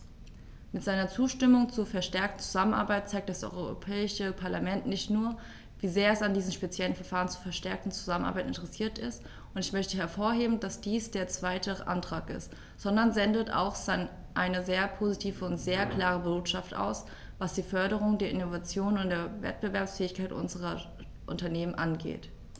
Mit seiner Zustimmung zur verstärkten Zusammenarbeit zeigt das Europäische Parlament nicht nur, wie sehr es an diesem speziellen Verfahren zur verstärkten Zusammenarbeit interessiert ist - und ich möchte hervorheben, dass dies der zweite Antrag ist -, sondern sendet auch eine sehr positive und sehr klare Botschaft aus, was die Förderung der Innovation und der Wettbewerbsfähigkeit unserer Unternehmen angeht.